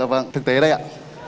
dạ vầng thực tế đây ạ